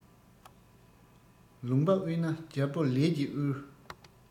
ལུང པ དབུལ ན རྒྱལ པོ ལས ཀྱིས དབུལ